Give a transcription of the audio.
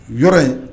Yɔrɔ yen